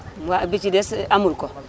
waa bi ci des amul ko